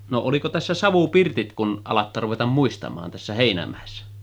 no oliko tässä savupirtit kun alatte ruveta muistamaan tässä Heinämäessä